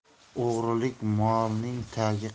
o'g'irlik morning tagi qilday